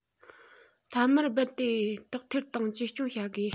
མཐའ མར རྦད དེ དག ཐེར དང བཅོས སྐྱོང བྱ དགོས